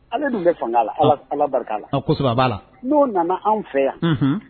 Ale dun bɛ fanga la ala barika la' la n'o nana anw fɛ yan